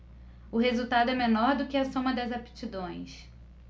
o resultado é menor do que a soma das aptidões